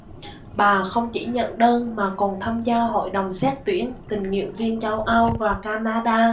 bà không chỉ nhận đơn mà còn tham gia hội đồng xét tuyển tình nguyện viên châu âu và canada